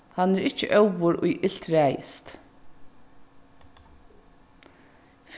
hann er ikki óður ið ilt ræðist